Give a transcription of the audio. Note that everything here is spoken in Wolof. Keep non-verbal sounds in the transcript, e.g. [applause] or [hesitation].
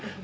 [hesitation] [hesitation]